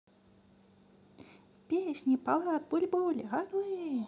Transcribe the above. песни полад буль буль оглы